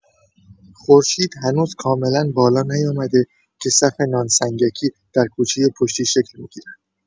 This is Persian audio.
خورشید هنوز کاملا بالا نیامده که صف نان سنگکی در کوچۀ پشتی شکل می‌گیرد.